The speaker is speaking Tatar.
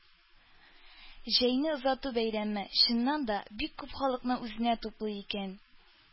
Җәйне озату бәйрәме, чыннан да, бик күп халыкны үзенә туплый икән.